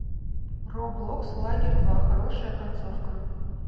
роблокс лагерь два хорошая концовка